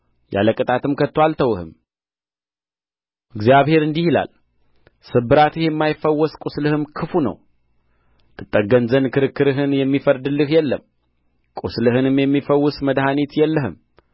ያለ ቅጣትም ከቶ አልተውህም እግዚአብሔር እንዲህ ይላል ስብራትህ የማይፈወስ ቍስልህም ክፉ ነው ትጠገን ዘንድ ክርክርህን የሚፈርድልህ የለም ቍስልህንም የሚፈውስ መድኃኒት የለህም